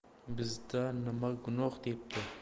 bizda nima gunoh debdi